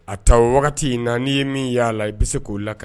A taa wagati in na n'i ye min'a la i bɛ se k'o la kan